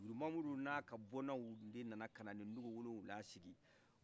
jugudu mamuruna bɔnna de nana ka ni dugu wolofila sigi